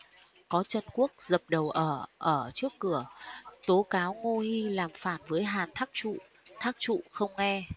có trần quốc dập đầu ở ở trước cửa tố cáo ngô hi làm phản với hàn thác trụ thác trụ không nghe